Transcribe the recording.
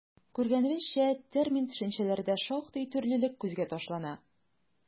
Күргәнебезчә, термин-төшенчәләрдә шактый төрлелек күзгә ташлана.